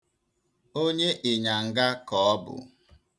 Onye ịnyanga ka ọ bụ.